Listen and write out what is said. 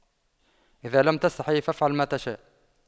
اذا لم تستحي فأفعل ما تشاء